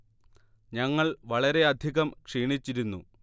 ഞങ്ങൾ വളരെയധികം ക്ഷീണിച്ചിരുന്നു